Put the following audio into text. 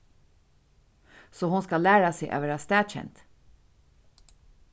so hon skal læra seg at verða staðkend